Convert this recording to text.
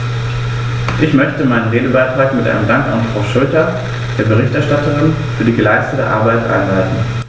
Ich möchte meinen Redebeitrag mit einem Dank an Frau Schroedter, der Berichterstatterin, für die geleistete Arbeit einleiten.